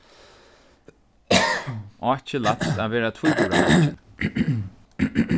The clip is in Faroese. áki lætst at vera tvíburabeiggin